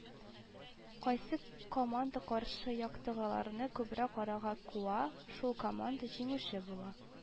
Кайсы команда каршы яктагыларны күбрәк арага куа, шул команда җиңүче була